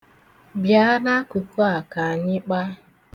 Bịa n'akụkụ a ka anyị kpaa.